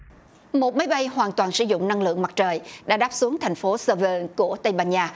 một máy bay hoàn toàn sử dụng năng lượng mặt trời đã đáp xuống thành phố sơ vơ của tây ban nha